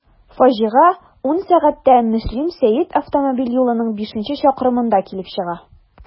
Фаҗига 10.00 сәгатьтә Мөслим–Сәет автомобиль юлының бишенче чакрымында килеп чыга.